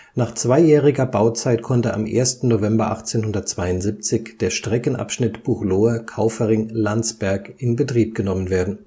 Nach zweijähriger Bauzeit konnte am 1. November 1872 der Streckenabschnitt Buchloe – Kaufering – Landsberg in Betrieb genommen werden